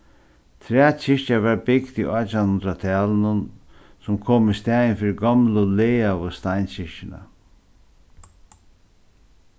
trækirkja varð bygd í átjanhundraðtalinum sum kom í staðin fyri gomlu lagaðu steinkirkjuna